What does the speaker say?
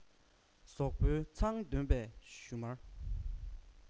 ཟོག པོའི མཚམ འདོན པའི བཞུ མར